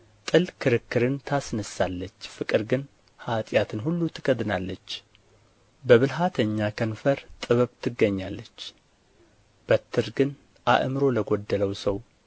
ጥል ክርክርን ታስነሣለች ፍቅር ግን ኃጢአትን ሁሉ ትከድናለች በብልሃተኛ ከንፈር ጥበብ ትገኛለች በትር ግን አእምሮ ለጐደለው ሰው